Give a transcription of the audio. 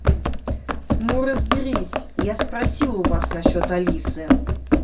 ну разберись я спросил у вас насчет алисы